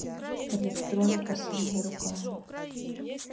электроника своими руками